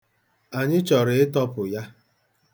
Anyị chọrọ ịtọpụ ya.